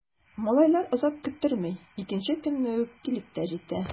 Малайлар озак көттерми— икенче көнне үк килеп тә җитә.